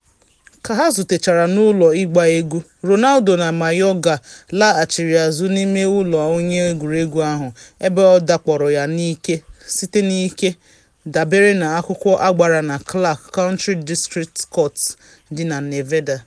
Ka ha zutechara n’ụlọ ịgba egwu, Ronaldo na Mayorga laghachiri azụ n’ime ụlọ onye egwuregwu ahụ, ebe ọ dakporo ya n’ike site na ike, dabere na akwụkwọ agbara na Clark County District Court dị na Nevada.